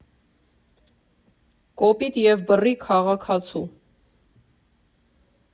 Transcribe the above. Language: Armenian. Կոպիտ և բռի քաղաքացու։